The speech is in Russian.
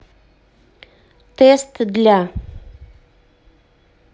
тест для